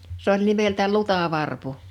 se oli nimeltä lutavarpu